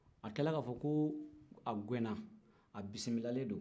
a tila la k'a fɔ ko a gɛn na a bisimilalen don